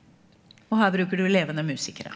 og her bruker du levende musikere.